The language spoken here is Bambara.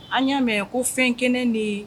An y'a mɛn ko fɛn 1 de ye